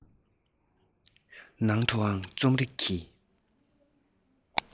ནང དུའང རྩོམ རིག གི